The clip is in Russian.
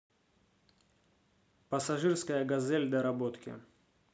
пассажирская газель доработки